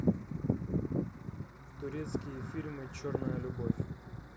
турецкие фильмы черная любовь